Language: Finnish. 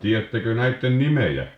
tiedättekö näiden nimiä